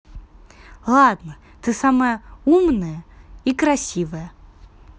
ладно ты самая умная и красивая